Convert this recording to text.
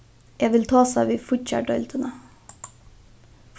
eg vil tosa við fíggjardeildina